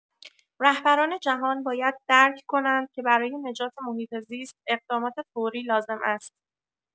رهبران جهان باید درک کنند که برای نجات محیط‌زیست اقدامات فوری لازم است.